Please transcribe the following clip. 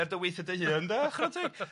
Er dy weithia dy hun de a chwara teg.